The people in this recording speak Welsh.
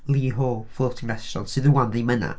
Lee Ho Floating Restaurant, sydd rŵan ddim yna.